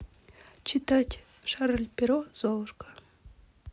читать шарль перро золушка